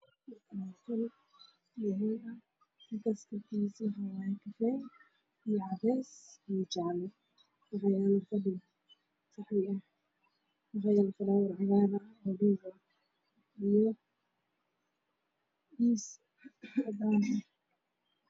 Waa qol waxaa yaalla kuraas iyo fadhi midabkoodu yahay qaxwi darbiga waa dhalo cadaan ah